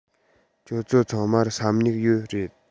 ཁྱོད ཚོ ཚང མར ས སྨྱུག ཡོད རེད